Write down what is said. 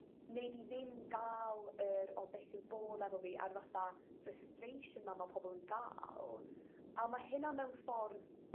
'nei di ddim ga'l yr o beth sy'n bod efo fi a'r fatha frustration 'ma ma' pobol yn ga'l. A ma' hynna mewn ffordd